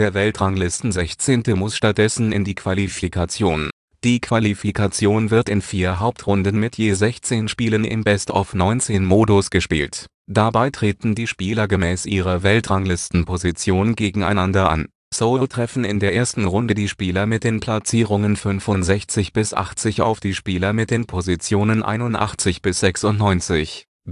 Weltranglistensechzehnte muss stattdessen in die Qualifikation. Die Qualifikation wird in vier Hauptrunden mit je 16 Spielen im Best-of-19-Modus gespielt. Dabei treten die Spieler gemäß ihrer Weltranglistenposition gegeneinander an. So treffen in der ersten Runde die Spieler mit den Platzierungen 65 bis 80 auf die Spieler mit den Positionen 81 bis 96 (bzw.